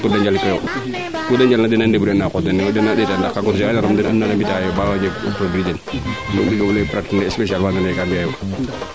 pour de njalikoyo ku de njal na dena debrouiller ana qoox denoyo den na ndeeta ndax kaa nama mbi taaayo baa njeg produit den njega fule pratique speciale naa ando naye kaa fiya